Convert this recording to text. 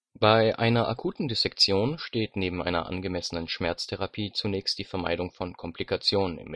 Bei einer akuten Dissektion steht neben einer angemessenen Schmerztherapie zunächst die Vermeidung von Komplikationen